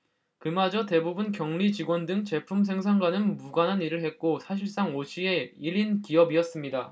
그마저 대부분 경리직원 등 제품 생산과는 무관한 일을 했고 사실상 오 씨의 일 인 기업이었습니다